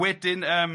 Wedyn yym.